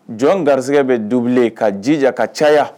Jɔn garisɛgɛ bɛ dugubili ka jija ka caya